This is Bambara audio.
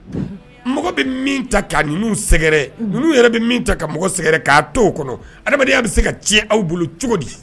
Mɔgɔ be min ta ka ninnu sɛgɛrɛ ninnu yɛrɛ be min ta ka mɔgɔ sɛgɛrɛ k'a' to kɔnɔ adamadenya be se ka tiɲɛ aw bolo cogodi